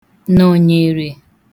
nọ̀nyèrè